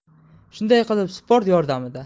shunday qilib sport yordamida